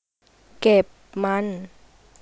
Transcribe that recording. เก็บมัน